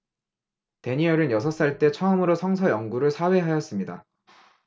대니얼은 여섯 살 때 처음으로 성서 연구를 사회하였습니다